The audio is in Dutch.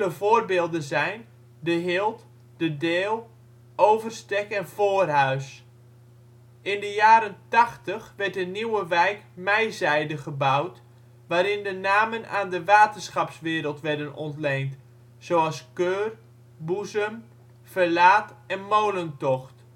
voorbeelden zijn: de Hild, de Deel, Overstek en Voorhuis. In de jaren tachtig werd de nieuwe wijk Mijzijde gebouwd, waarin de namen aan de waterschapswereld werden ontleend, zoals Keur, Boezem, Verlaat en Molentocht